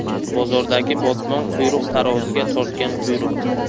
bozordagi botmon quyruq taroziga tortgan quyruq